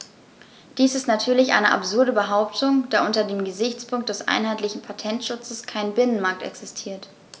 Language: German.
Dies ist natürlich eine absurde Behauptung, da unter dem Gesichtspunkt des einheitlichen Patentschutzes kein Binnenmarkt existiert.